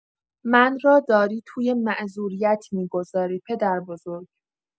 من راداری توی معذوریت می‌گذاری پدربزرگ.